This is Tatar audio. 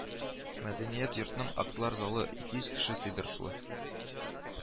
Мәдәният йортның актлар залы ике йөз кеше сыйдырышлы